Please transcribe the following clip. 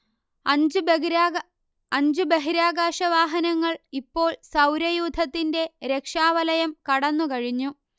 അഞ്ചു ബഹിരാകാശവാഹനങ്ങൾ ഇപ്പോൾ സൗരയൂഥത്തിന്റെ രക്ഷാവലയം കടന്നുകഴിഞ്ഞു